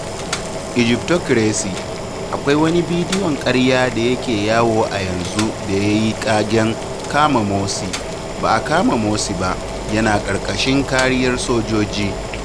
Egyptocracy: Akwai wani bidiyon ƙarya da yake yawo a yanzu da ya yi ƙagen '#kama Morsi', ba a kama Morsi ba, yana ƙarƙashin kariyar sojoji.